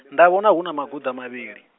nda vhona huna maguḓa mavhili.